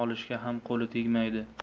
olishga ham qo'li tegmaydi